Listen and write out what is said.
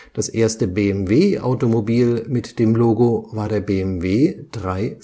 Das erste BMW-Automobil mit dem Logo war der BMW 3/15